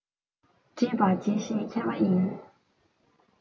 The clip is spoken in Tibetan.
འདྲེས པ འབྱེད ཤེས མཁས པ ཡིན